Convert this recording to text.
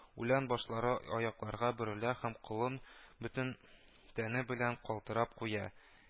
(үлән башлары аякларга бәрелә һәм колын бөтен тәне белән калтырап куя